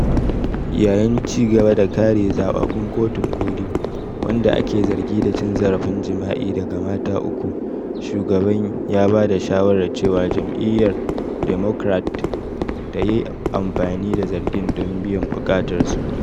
Yayin ci gaba da kare zababbun Kotun Koli, wanda ake zargi da cin zarafin jima’i daga mata uku, shugaban ya bada shawarar cewa jam'iyyar Democrat ta yi amfani da zargin don biyan bukatar su.